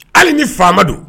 Hali ni faama don